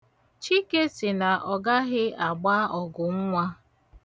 Chike sị na ọ gaghị agba ọgụ nnwa.